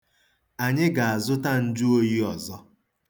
Anyị ga-azụta njụoyi ọzọ.